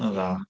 Mae'n dda.